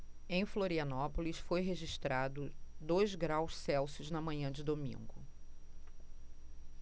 em florianópolis foi registrado dois graus celsius na manhã de domingo